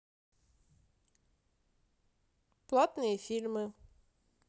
платные фильмы